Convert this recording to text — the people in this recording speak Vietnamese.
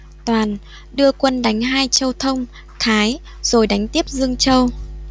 toàn đưa quân đánh hai châu thông thái rồi đánh tiếp dương châu